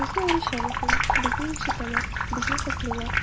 Шунысы аеруча мөһим, безне ишетәләр, безне хуплыйлар.